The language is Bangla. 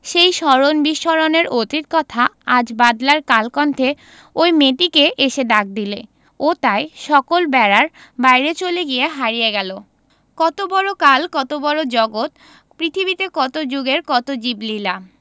সেই স্মরণ বিস্মরণের অতীত কথা আজ বাদলার কলকণ্ঠে ঐ মেয়েটিকে এসে ডাক দিলে ও তাই সকল বেড়ার বাইরে চলে গিয়ে হারিয়ে গেল কত বড় কাল কত বড় জগত পৃথিবীতে কত জুগের কত জীবলীলা